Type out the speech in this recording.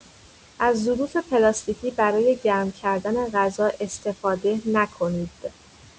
از ظروف پلاستیکی برای گرم‌کردن غذا استفاده نکنید.